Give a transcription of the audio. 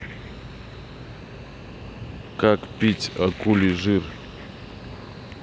как пить акулий жир